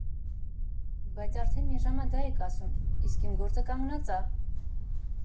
Բայց արդեն մի ժամ ա դա եք ասում, իսկ իմ գործը կանգնած ա՜…